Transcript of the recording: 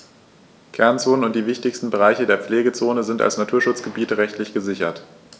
Kernzonen und die wichtigsten Bereiche der Pflegezone sind als Naturschutzgebiete rechtlich gesichert.